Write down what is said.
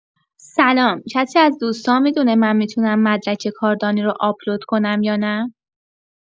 سلام، کسی از دوستان می‌دونه من می‌تونم مدرک کاردانی رو آپلود کنم یا نه؟